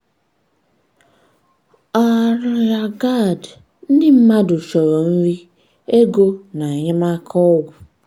@AlyaaGad Ndị mmadụ chọrọ nri, ego na enyemaka ọgwụ!